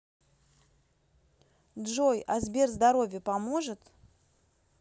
джой а сбер здоровье поможет